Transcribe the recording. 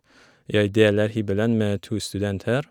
Jeg deler hybelen med to studenter.